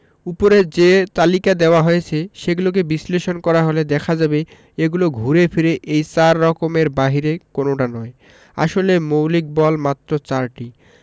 ওপরে যে তালিকা দেওয়া হয়েছে সেগুলোকে বিশ্লেষণ করা হলে দেখা যাবে এগুলো ঘুরে ফিরে এই চার রকমের বাইরে কোনোটা নয় আসলে মৌলিক বল মাত্র চারটি